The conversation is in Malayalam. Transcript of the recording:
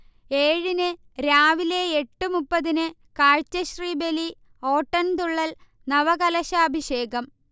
ഏഴിന് രാവിലെ എട്ട് മുപ്പതിന് കാഴ്ചശ്രീബലി, ഓട്ടൻതുള്ളൽ, നവകലശാഭിഷേകം